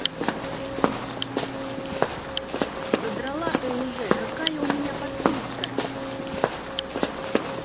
задрала ты уже какая у меня подписка